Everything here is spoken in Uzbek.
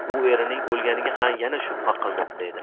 u erining o'lganiga yana shubha qilmoqda edi